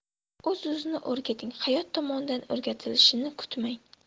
o'z o'zini o'rgating hayot tomonidan o'rgatilishini kutmang